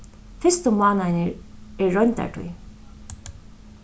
fyrstu mánaðirnir er royndartíð